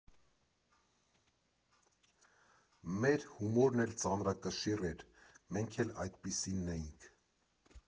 Մեր հումորն էլ ծանրակշիռ էր, մենք էլ այդպիսինն էինք։